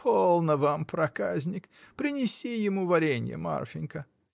— Полно вам, проказник, принеси ему варенья, Марфинька!